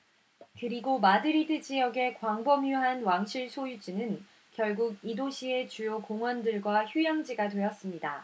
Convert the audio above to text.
그리고 마드리드 지역의 광범위한 왕실 소유지는 결국 이 도시의 주요 공원들과 휴양지가 되었습니다